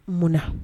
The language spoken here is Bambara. Munna na